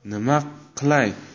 nima qilay